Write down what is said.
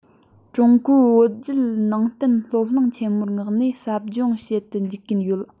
ཀྲུང གོའི བོད བརྒྱུད ནང བསྟན སློབ གླིང ཆེན མོར མངགས ནས ཟབ སྦྱོང བྱེད དུ འཇུག གིན ཡོད